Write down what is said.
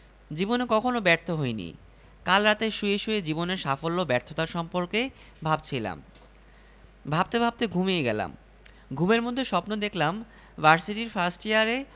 ব্যর্থ হয়েছেন বলেই সকাল থেকে আপনি নিখোঁজ মানে গুম হয়ে গেছেন কেউ আপনার অস্তিত্ব টের পাচ্ছে না আয়নায় বিম্ব দেখা দিচ্ছে না রোদে আপনার ছায়া পড়ছে না...